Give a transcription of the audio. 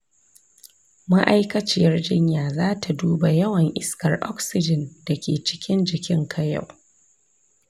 ma’aikaciyar jinya za ta duba yawan iskar oxygen da ke cikin jininka yau.